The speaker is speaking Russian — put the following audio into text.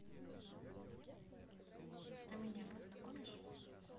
а меня познакомишь